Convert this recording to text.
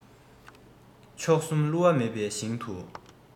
མཆོག གསུམ བསླུ བ མེད པའི ཞིང དུ